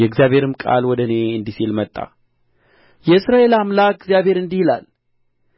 የእግዚአብሔርም ቃል ወደ እኔ እንዲህ ሲል መጣ የእስራኤል አምላክ እግዚአብሔር እንዲህ ይላል